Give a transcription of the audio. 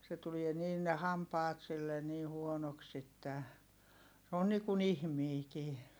se tulee niin ne hampaat sille niin huonoiksi että se on niin kuin ihminenkin